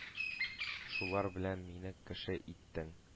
Шулар белән мине кеше иттең,